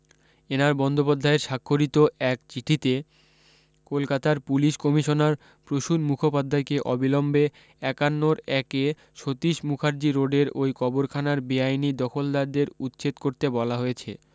এনার বন্দ্যোপাধ্যায় স্বাক্ষরিত এক চিঠিতে কলকাতার পুলিশ কমিশনার প্রসূন মুখোপাধ্যায়কে অবিলম্বে একান্নোর একে সতীশ মুখার্জি রোডের ওই কবরখানার বেআইনি দখলদারদের উচ্ছেদ করতে বলা হয়েছে